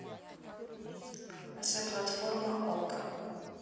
the платформа okko